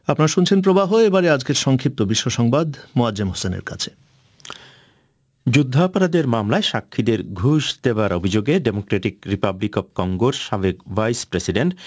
আপনারা শুনছিলেন প্রবাহ এবার সংক্ষিপ্ত বিশ্ব সংবাদ মোয়াজ্জেম হোসেন এর কাছে যুদ্ধাপরাধের মামলায় সাক্ষীদের ঘুষ দেবার অভিযোগে ডেমোক্রেটিক রিপাবলিক অব কঙ্গোর সাবেক ভাইস প্রেসিডেন্ট